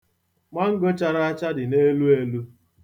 Mango chara acha dị n'eluelu.